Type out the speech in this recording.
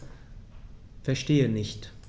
Verstehe nicht.